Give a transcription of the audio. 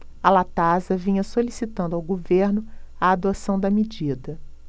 a latasa vinha solicitando ao governo a adoção da medida